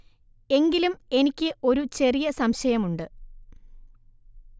എങ്കിലും എനിക്ക് ഒരു ചെറിയ സംശയമുണ്ട്